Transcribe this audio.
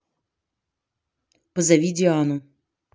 позови диану